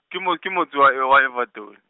ke mo-, ke motse wa E-, wa Evaton.